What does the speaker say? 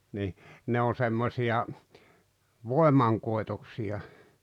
niin ne on semmoisia voimankoitoksia